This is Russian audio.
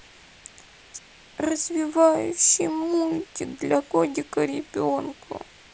развивающий мультик для годика ребенку